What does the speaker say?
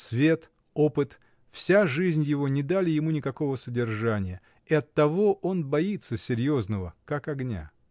Свет, опыт, вся жизнь его не дали ему никакого содержания, и оттого он боится серьезного как огня.